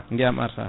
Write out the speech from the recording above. ndiyam arata